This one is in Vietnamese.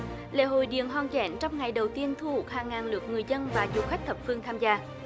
lễ hội điện hòn chén trong ngày đầu tiên thủ hàng ngàn lượt người dân và du khách thập phương tham gia